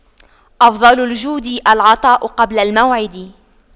أفضل الجود العطاء قبل الموعد